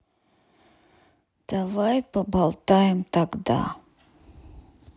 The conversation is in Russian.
давай поболтаем тогда